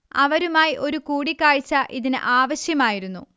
അവരുമായി ഒരു കൂടിക്കാഴ്ച ഇതിന് ആവശ്യമായിരുന്നു